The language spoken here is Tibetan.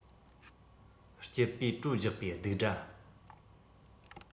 སྐྱིད པོའི བྲོ རྒྱག པའི རྡིག སྒྲ